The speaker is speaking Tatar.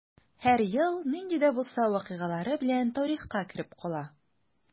Һәр ел нинди дә булса вакыйгалары белән тарихка кереп кала.